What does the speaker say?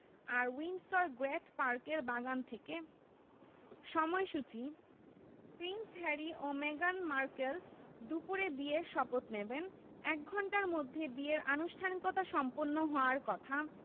আর Windsor Great পার্কের বাগান থেকে সময়সূচি প্রিন্স হ্যারি ও মেগান মার্কেল দুপুরে বিয়ের শপথ নেবেন এক ঘণ্টার মধ্যে বিয়ের আনুষ্ঠানিকতা সম্পন্ন হওয়ার কথা